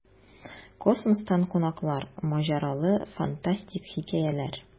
Космостан кунаклар: маҗаралы, фантастик хикәяләр.